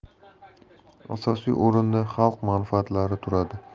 asosiy o'rinda xalq manfaatlari turadi